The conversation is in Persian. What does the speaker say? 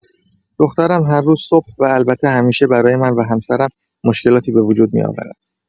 دخترم هر روز صبح و البته همیشه برای من و همسرم مشکلاتی به‌وجود می‌آورد.